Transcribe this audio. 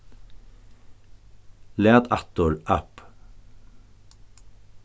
lat aftur app